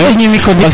fook i ñimiko ndik